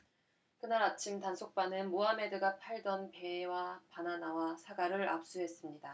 그날 아침 단속반은 모하메드가 팔던 배와 바나나와 사과를 압수했습니다